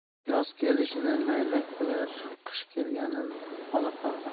yoz kelishini laylak bilar qish kelganin olaqarg'a